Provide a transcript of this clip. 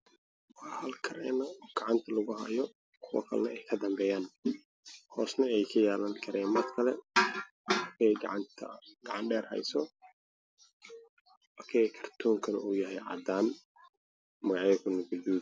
Waxaa ii muuqda nin oo gacanta ku haya kartoon waxaa ku sawiran liin